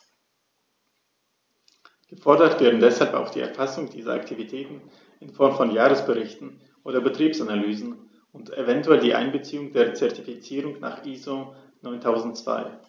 Gefordert werden deshalb auch die Erfassung dieser Aktivitäten in Form von Jahresberichten oder Betriebsanalysen und eventuell die Einbeziehung in die Zertifizierung nach ISO 9002.